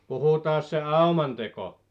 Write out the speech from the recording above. puhutaanpas se aumanteko